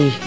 i